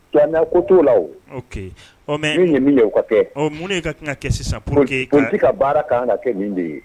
Tuma ko t'o la ɔ mɛ min ye min ye' ka kɛ ɔ minnu ye ka kan ka kɛ sisan pour que ko ka baara ka kan ka kɛ min de ye